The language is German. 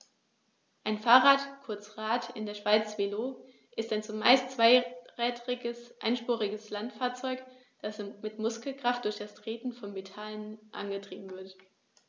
Ein Fahrrad, kurz Rad, in der Schweiz Velo, ist ein zumeist zweirädriges einspuriges Landfahrzeug, das mit Muskelkraft durch das Treten von Pedalen angetrieben wird.